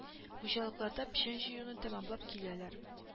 Хуҗалыкларда печән җыюны тәмамлап киләләр